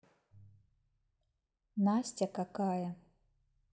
настя какая